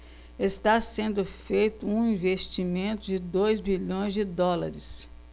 está sendo feito um investimento de dois bilhões de dólares